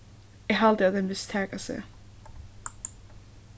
eg haldi at tey mistaka seg